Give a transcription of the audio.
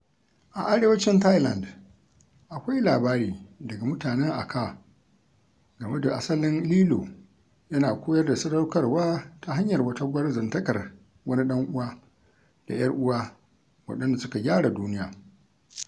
A arewacin Thailand, akwai labari daga mutanen Akha game da asalin lilo yana koyar da sadaukarwa ta hanyar wata gwarzantakar wani ɗan'uwa da 'yar'uwa waɗanda suka gyara duniya.